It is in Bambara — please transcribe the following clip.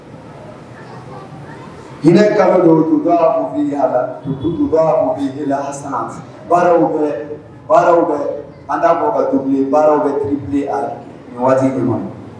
Hinɛkatubibila san baaraw baaraw ala ka tubi baarawbi waati ma